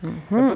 ja.